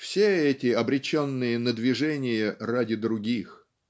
все эти обреченные на движение ради других.